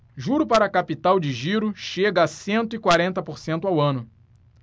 juro para capital de giro chega a cento e quarenta por cento ao ano